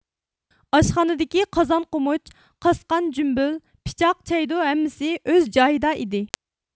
ئاشخانىدىكى قازان قومۇچ قاسقان جۈمبۈل پىچاق چەيدۇ ھەممىسى ئۆز جايىدا ئىدى